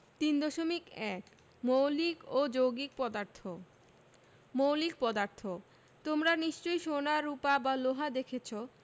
3.1 মৌলিক ও যৌগিক পদার্থঃ মৌলিক পদার্থ তোমরা নিশ্চয় সোনা রুপা বা লোহা দেখেছ